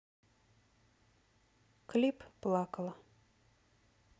клип плакала